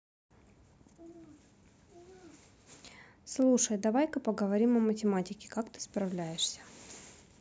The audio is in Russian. слушай давай ка поговорим о математике как ты справляешься